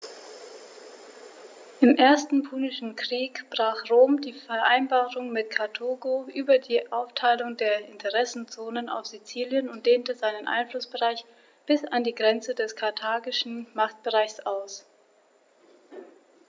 Im Ersten Punischen Krieg brach Rom die Vereinbarung mit Karthago über die Aufteilung der Interessenzonen auf Sizilien und dehnte seinen Einflussbereich bis an die Grenze des karthagischen Machtbereichs aus.